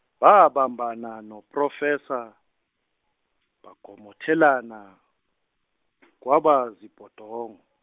babambana no Professor, bagomothelana, kwaba zibhodong-.